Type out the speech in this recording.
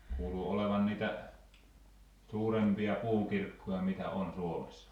kuuluu olevan niitä suurempia puukirkkoja mitä on Suomessa